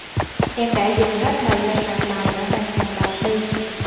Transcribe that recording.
em đã dùng hết thời gian làm bài để hoàn thành bài thi